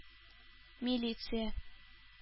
Милиция